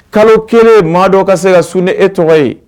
Kalo kɛlen maa dɔw ka se ka sun ni e tɔgɔ ye